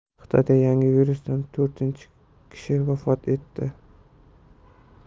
xitoyda yangi virusdan to'rtinchi kishi vafot etdi